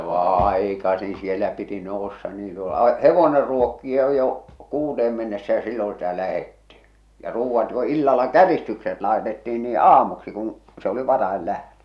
aikaisin siellä piti nousta niin se oli hevonen ruokkia jo kuuteen mennessä ja silloin sitä lähdettiin ja ruuat jo illalla käristykset laitettiin niin aamuksi kun se oli varhain lähtö